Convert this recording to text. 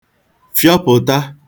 fịọpụ̀ta